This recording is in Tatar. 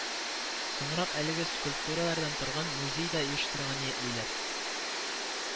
Соңрак әлеге скульптуралардан торган музей да оештырырга ниятлиләр